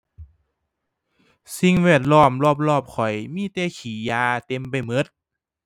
สิ่งแวดล้อมรอบรอบข้อย มีแต่ขี้ยาเต็มไปหมด